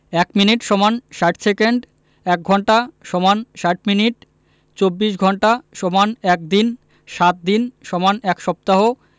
১ minute = ৬০ second ১ঘন্টা = ৬০ minute ২৪ ঘন্টা = ১ দিন ৭ দিন = ১ সপ্তাহ